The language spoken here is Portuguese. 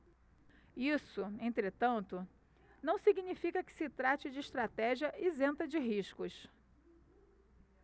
isso entretanto não significa que se trate de estratégia isenta de riscos